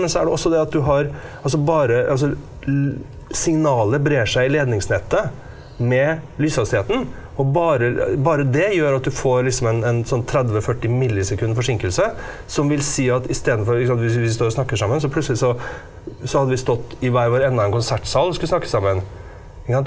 men så er det også det at du har altså bare altså signalet brer seg i ledningsnettet med lyshastigheten, og bare bare det gjør at du får liksom en en sånn 30 40 millisekund forsinkelse som vil si at istedenfor liksom hvis vi står og snakker sammen så plutselig så så hadde vi stått i hver vår ende av en konsertsal og skulle snakke sammen ikke sant.